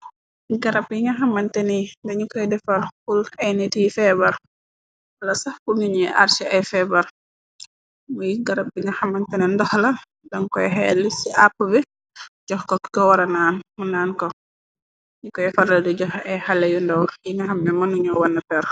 Garab yi nga xamantane dañu koy defar hul ant y feebar, wala saf bu ñu ñuy arshe ay feebar , muy garab bi nga xamantani ndox la , dan koy xeeli ci àpp bi jox ku ko wara naan mu naan ko, ñi koy farla di joxe ay xale yu ndowr yi nga xam i mënuñu wann per.